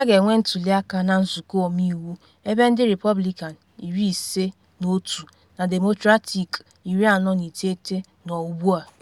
A ga-enwe ntuli aka na Nzụkọ Ọmeiwu, ebe ndị Repọblikan 51 na Demokrat 49 nọ ugbu a.